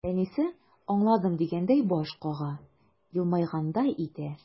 Әнисе, аңладым дигәндәй баш кага, елмайгандай итә.